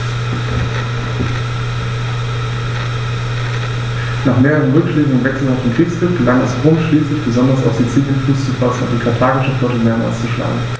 Nach mehreren Rückschlägen und wechselhaftem Kriegsglück gelang es Rom schließlich, besonders auf Sizilien Fuß zu fassen und die karthagische Flotte mehrmals zu schlagen.